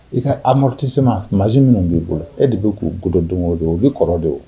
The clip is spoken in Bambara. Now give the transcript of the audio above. I ka amaduti sema masi minnu b'i bolo e de b bɛ'u gododenw o don o bɛ kɔrɔ de